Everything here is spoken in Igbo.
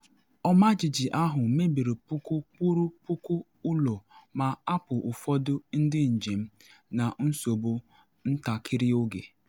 Ọmajiji ahụ mebiri puku kwụrụ puku ụlọ ma hapụ ụfọdụ ndị njem na nsogbu ntakịrị oge.